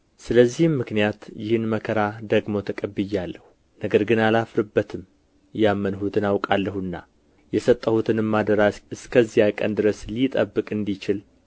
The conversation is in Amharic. ስለዚህም ምክንያት ይህን መከራ ደግሞ ተቀብዬአለሁ ነገር ግን አላፍርበትም ያመንሁትን አውቃለሁና የሰጠሁትንም አደራ እስከዚያ ቀን ድረስ ሊጠብቅ እንዲችል